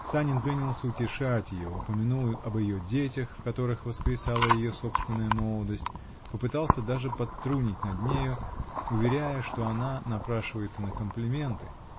Санин принялся утешать ее, упомянул об ее детях, в которых воскресала ее собственная молодость, попытался даже подтрунить над нею, уверяя, что она напрашивается на комплименты.